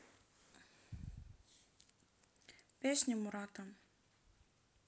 песни мурата